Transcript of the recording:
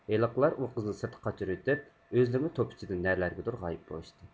ھېلىقىلار ئۇ قىزنى سىرتقا قاچۇرۇۋېتىپ ئۆزلىرىمۇ توپ ئىچىدىن نەلەرگىدۇر غايىب بولۇشتى